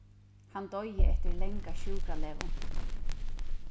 hann doyði eftir langa sjúkralegu